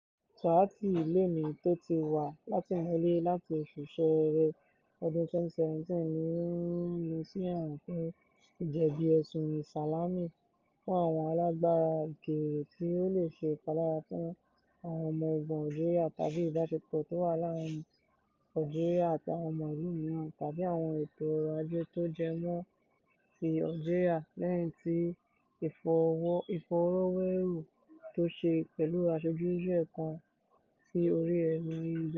Touati, lẹ́ni tó ti wà látìmọ́lé láti oṣù Ṣẹẹrẹ, ọdún 2017, ni wọ́n rán lọ́ sí ẹ̀wọ̀n fún ìjẹbi ẹ̀sun ìṣalamí fún àwọn alágbara òkèèrè tí ó lè ṣe ìpalára fún àwọn ọmọ ogun Algeria tàbí ìbáṣepọ̀ tó wà láàárìn Algeria àti àwọn ìlú míràn tàbí àwọn ètò ọrọ̀ ajé tó jẹ mọ́ ti Algeria lẹ́yìn to fi ìfọ̀rọ̀wérọ̀ tó ṣe pẹ̀lú aṣojú Israeli kan sí orí ẹ̀rọ ayélujára.